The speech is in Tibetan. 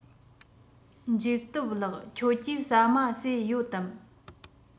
འཇིགས སྟོབས ལགས ཁྱོད ཀྱིས ཟ མ ཟོས ཡོད དམ